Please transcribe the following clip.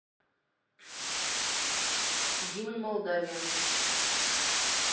гимн молдавии